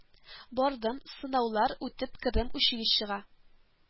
Бардым, сынаулар үтеп кердем училищега